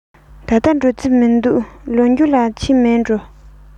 ད ལྟ འགྲོ རྩིས མི འདུག ལོ མཇུག ལ ཕྱིན མིན འགྲོ